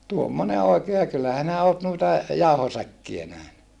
tuommoinen oikein ja kyllä sinä olet noita jauhosäkkejä nähnyt